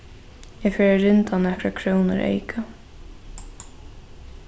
eg fari at rinda nakrar krónur eyka